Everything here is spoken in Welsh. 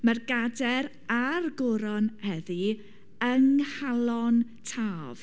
Mae'r gadair a'r goron heddi yng Nghalon Taf.